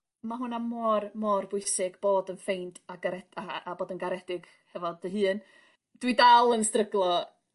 Ma' honna mor mor bwysig bod yn ffeind a gared- a a a bod yn garedig hefo dy hun. Dwi dal yn stryglo